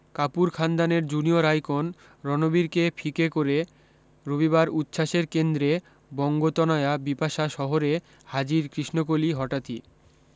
কাপূর খানদানের junior icon রণবীরকে ফিকে করে রবিবার উচ্ছ্বাসের কেন্দ্রে বঙ্গতনয়া বিপাশা শহরে হাজির কৃষ্ণকলি হঠাতি